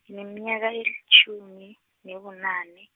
ngineminyaka elitjhumi, nebonane.